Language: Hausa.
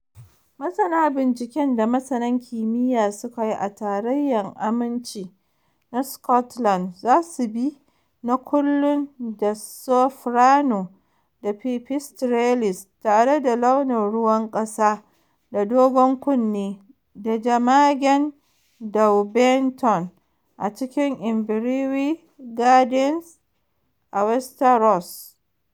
Masana binciken da masanan kimiyya suka yi a Tarrayan Aminci na Scotland za su bi na kullun da soprano pipistrelles tare da launin ruwan kasa da dogon-kunne da jamagen Daubenton a cikin Inverewe Gardens a Wester Ross.